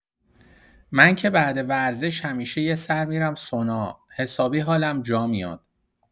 من که بعد ورزش همیشه یه سر می‌رم سونا، حسابی حالم جا میاد.